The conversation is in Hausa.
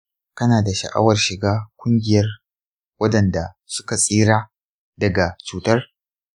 kana da sha'awar shiga kungiyar wadanda suka tsira daga cutar?